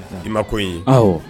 I ma ko in ye